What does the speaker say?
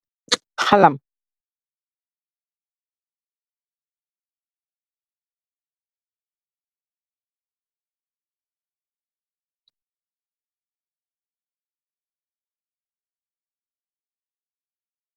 Khalam.